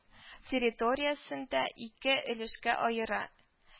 Территориясен дә ике өлешкә аера